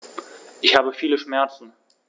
Ich habe viele Schmerzen.